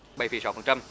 bảy phẩy sáu phần trăm